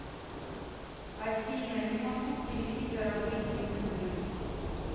афина не могу с телевизора выйти из игры